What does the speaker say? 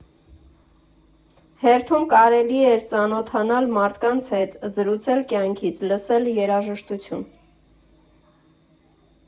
Հերթում կարելի էր ծանոթանալ մարդկանց հետ, զրուցել կյանքից, լսել երաժշտություն։